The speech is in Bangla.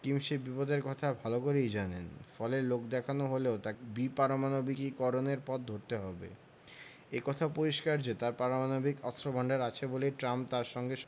তার নিশ্চয়তা নেই কিম সে বিপদের কথা ভালো করেই জানেন ফলে লোকদেখানো হলেও তাঁকে বিপারমাণবিকীকরণের পথ ধরতে হবে এ কথা পরিষ্কার যে তাঁর পারমাণবিক অস্ত্রভান্ডার আছে বলেই ট্রাম্প তাঁর সঙ্গে